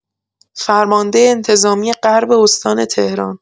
فرمانده انتظامی غرب استان تهران